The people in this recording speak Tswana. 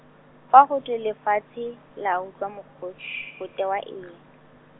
fa go twe lefatshe, la utlwa mokgo-, go tewa eng?